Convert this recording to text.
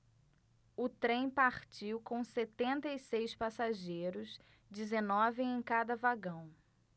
o trem partiu com setenta e seis passageiros dezenove em cada vagão